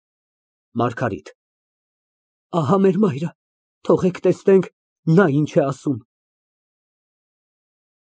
ՄԱՐԳԱՐԻՏ ֊ Ահա մեր մայրը, թողեք տեսնենք, նա ինչ է ասում։